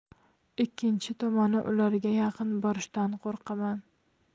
ikkinchi tomoni ularga yaqin borishdan qo'rqaman